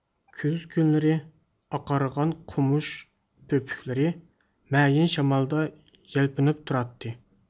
كۈز كۈنلىرى ئاقارغان قومۇش پۆپۈكلىرى مەيىن شامالدا يەلپۈنۈپ تۇراتتى